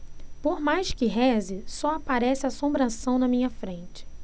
por mais que reze só aparece assombração na minha frente